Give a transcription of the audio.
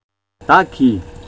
བདག གིས